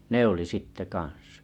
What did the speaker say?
ne oli sitten kanssa